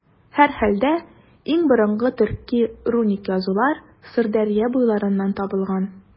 Һәрхәлдә, иң борынгы төрки руник язулар Сырдәрья буйларыннан табылган.